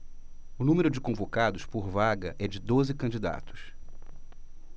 o número de convocados por vaga é de doze candidatos